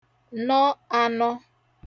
nọ ānọ̄